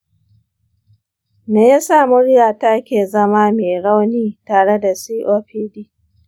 me yasa muryata ke zama me rauni tare da copd?